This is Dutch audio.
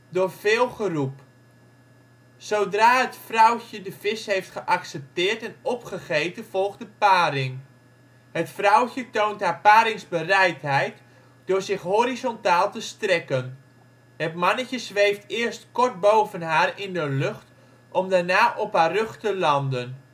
door veel geroep. Zodra het vrouwtje de vis heeft geaccepteerd en opgegeten volgt de paring. Het vrouwtje toont haar paringsbereidheid door zich horizontaal te strekken. Het mannetje zweeft eerst kort boven haar in de lucht, om daarna op haar rug te landen